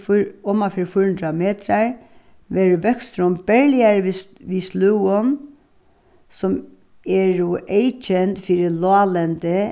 omanfyri fýra hundrað metrar verður vøksturin berligari við við sløgum sum eru eyðkend fyri láglendið